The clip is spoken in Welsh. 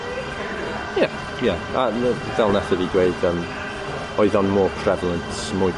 Ie ie a ne- fel natha fi dweud yym oedd o'n more prevalent mwy